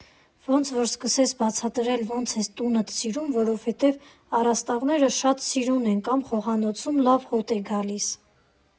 Ոնց որ սկսես բացատրել՝ ոնց ես տունդ սիրում, որովհետև առաստաղները շատ սիրուն են կամ խոհանոցում լավ հոտ է գալիս։